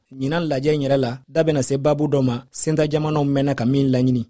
ɲinan lajɛ in yɛrɛ la da bɛ na se baabu dɔ ma sentanjamanaw mɛnna ka min laɲini